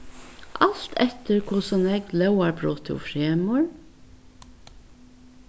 alt eftir hvussu nógv lógarbrot tú fremur